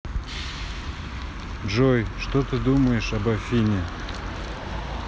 джой что ты думаешь об афине